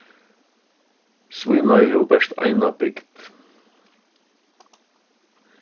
svínoy hevur bert eina bygd